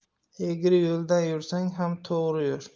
egri yo'ldan yursang ham to'g'ri yur